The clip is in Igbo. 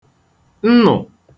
nnụ̀